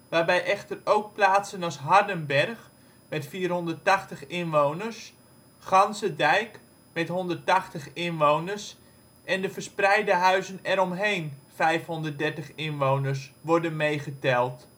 waarbij echter ook plaatsen als Hardenberg (480 inwoners), Ganzedijk (180 inwoners) en de verspreide huizen eromheen (530 inwoners) worden meegeteld